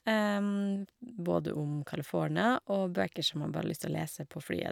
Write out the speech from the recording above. Både om California, og bøker som jeg bare har lyst å lese på flyet.